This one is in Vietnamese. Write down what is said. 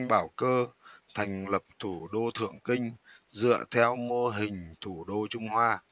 bảo cơ thành lập thủ đô thượng kinh dựa theo mô hình thủ đô trung hoa